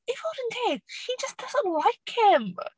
I fod yn deg, she just doesn't like him.